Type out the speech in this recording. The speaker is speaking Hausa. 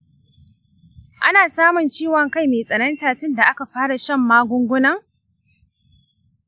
ana samun ciwon kai mai tsananta tunda aka fara shan magungunan?